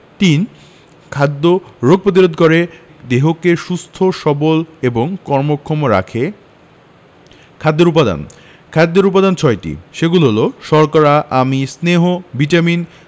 ৩. খাদ্য রোগ প্রতিরোধ করে দেহকে সুস্থ সবল এবং কর্মক্ষম রাখে খাদ্যের উপাদান খাদ্যের উপাদান ছয়টি সেগুলো হলো শর্করা আমিষ স্নেহ ভিটামিন